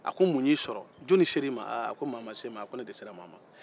a ko mun y'i sɔrɔ joni ser'i ma aaa mɔgɔ ma se ne ma ne de sera mɔgɔ